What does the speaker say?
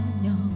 nhọc